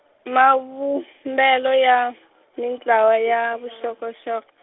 mavumbelo ya , mintlawa ya vuxokoxoko.